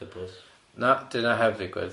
Na, duna heb ddigwydd.